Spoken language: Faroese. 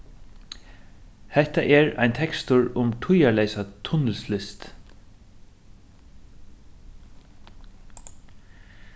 hetta er ein tekstur um tíðarleysa tunnilslist